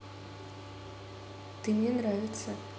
ты мне нравится